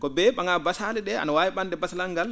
ko bee ?a?aa basaale ?e a?a wawi ?angde basalal ngal